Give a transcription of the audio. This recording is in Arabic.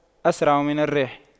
أسرع من الريح